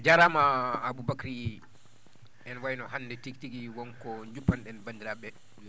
a jaaraama Aboubacry ene wayi no hannde tigi tigi won ko juppanɗen banndiraaɓe ɓee